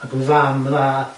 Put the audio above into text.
ag yn fam dda.